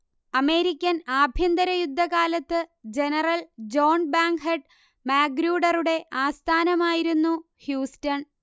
American ആഭ്യന്തരയുദ്ധകാലത്ത് general John Bankhead മാഗ്രൂഡറുടെ ആസ്ഥാനമായിരുന്നു ഹ്യൂസ്റ്റൺ